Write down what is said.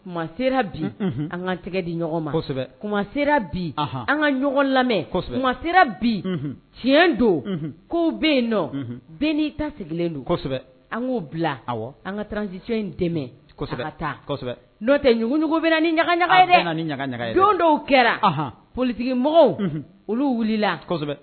Kuma sera bi an ka tɛgɛ di ɲɔgɔn mase bi an ka ɲɔgɔn lamɛn sera bi tiɲɛ don ko bɛ yen nɔ bɛn n'i ta sigilen don an k'o bila an ka tranjic in dɛmɛ kosɛbɛ tao tɛ ɲjuguugu bɛ ni ɲaga ɲaga don dɔw kɛra politigi mɔgɔw olu wulila